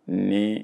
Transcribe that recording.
Ni